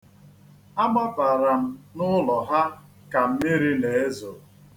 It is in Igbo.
Agbabara m n'ụlọ ha ka mmiri na-ezo.